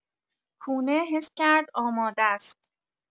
پونه حس کرد آماده‌ست.